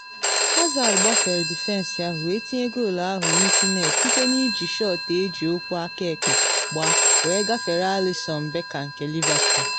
Hazard gbafere dịfensị ahụ wee tinye goolu ahụ n’isi net site na iji shọt eji ụkwụ akaekpe gbaa wee gafere Alisson Becker nke Liverpool.